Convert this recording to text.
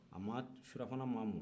surafana mana mɔ